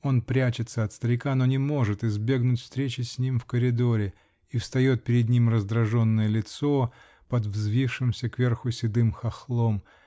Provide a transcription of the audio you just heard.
Он прячется от старика, но не может избегнуть встречи с ним в коридоре-- и встает перед ним раздраженное лицо под взвившимся кверху седым хохлом